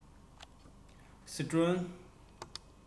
སི ཁྲོན